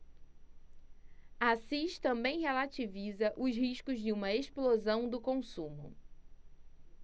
assis também relativiza os riscos de uma explosão do consumo